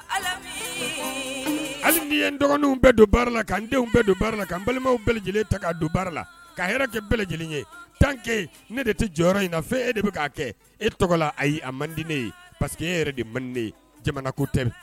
Hali nin ye dɔgɔninw bɛɛ don baara la ka denw bɛɛ don baara la k ka balimaw bɛɛ lajɛlen ta' don baara la ka hɛrɛ kɛ bɛɛ lajɛlen ye tankɛ ne de tɛ jɔyɔrɔ in fɛ e de bɛ'a kɛ e tɔgɔ la ayi a mande paseke e yɛrɛ de ye mande jamana kotɛ